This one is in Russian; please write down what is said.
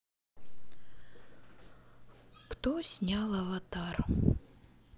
кто снял аватар